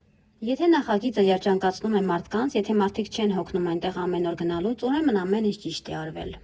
«Եթե նախագիծը երջանկացնում է մարդկանց, եթե մարդիկ չեն հոգնում այնտեղ ամեն օր գնալուց, ուրեմն ամեն ինչ ճիշտ է արվել»։